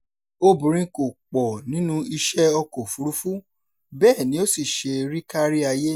Obìnrin kò pọ̀ nínú iṣẹ́ ọkọ̀ òfuurufú, bẹ́ẹ̀ ni ó sì ṣe rí káríayé.